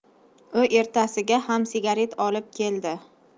u ertasiga ham sigaret olib keldi